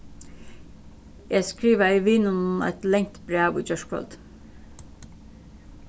eg skrivaði vininum eitt langt bræv í gjárkvøldið